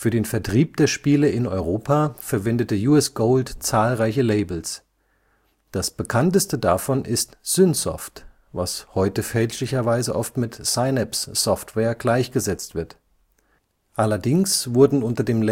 den Vertrieb der Spiele in Europa verwendete U.S. Gold zahlreiche Labels. Das bekannteste davon ist Synsoft, was heute fälschlicherweise oft mit Synapse Software gleichgesetzt wird. Allerdings wurden unter dem